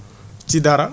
ci dara